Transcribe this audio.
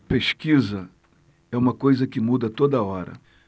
pesquisa é uma coisa que muda a toda hora